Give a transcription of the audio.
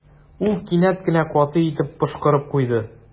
Ул кинәт кенә каты итеп пошкырып куйды.